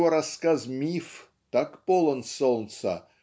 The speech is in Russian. его рассказ "Миф" так полон солнца